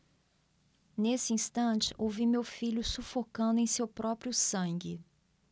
nesse instante ouvi meu filho sufocando em seu próprio sangue